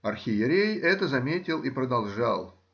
архиерей это заметил и продолжал